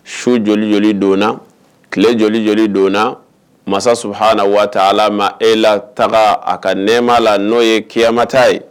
Su joli joli don na. Kile joli joli don na . Masa subahana watala ma e la taga a ka nɛma la no ye kiyama taa ye.